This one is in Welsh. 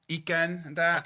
ugain, ynde. Ok.